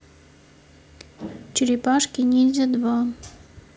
черепашки ниндзя два